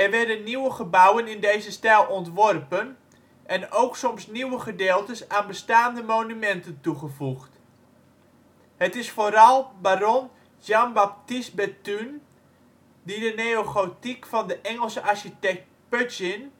werden nieuwe gebouwen in deze stijl ontworpen en ook soms nieuwe gedeeltes aan bestaande monumenten toegevoegd. Het is vooral baron Jean-Baptiste Béthune die de neogotiek van de Engelse architect Pugin